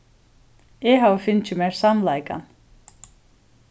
eg havi fingið mær samleikan